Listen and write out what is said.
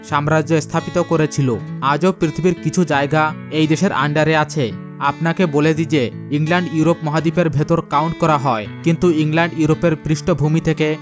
সাম্রাজ্য স্থাপিত করেছিল আজও পৃথিবীর কিছু জায়গা এদেশের আন্ডারে আছে আপনাকে বলে দেই যে ইংল্যান্ড ইউরোপ মহা দ্বীপের ভিতরে কাউন্ট করা হয় কিন্তু ইংল্যান্ড ইউরোপের পৃষ্ঠভূমি থেকে